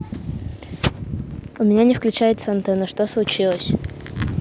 у меня не включается антенна что случилось